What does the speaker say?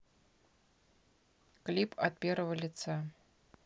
клип от первого лица